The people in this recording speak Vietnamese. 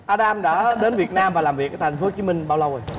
a đam đã đến việt nam và làm việc ở thành phố hồ chí minh bao lâu rồi